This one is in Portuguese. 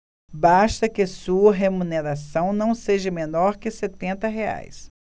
basta que sua remuneração não seja menor que setenta reais